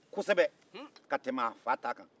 kosɛbɛ ka tɛmɛ a fa ta kan